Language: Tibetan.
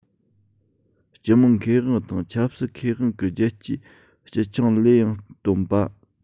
སྤྱི དམངས ཁེ དབང དང ཆབ སྲིད ཁེ དབང གི རྒྱལ སྤྱིའི སྤྱི ཆིངས ལས ཡང བཏོན པ